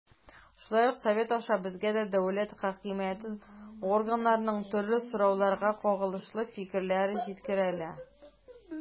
Шулай ук Совет аша безгә дә дәүләт хакимияте органнарының төрле сорауларга кагылышлы фикерләре җиткерелә.